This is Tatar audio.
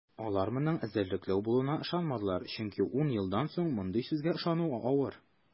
Алар моның эзәрлекләү булуына ышанмадылар, чөнки ун елдан соң мондый сүзгә ышану авыр.